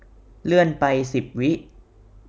เลื่อนไปสิบวิ